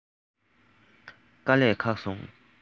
དཀའ ལས ཁག སོང